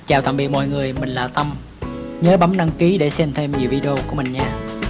chào tạm biệt mọi người mình là tâm nhớ bấm đăng ký để xem thêm nhiều video của mình nha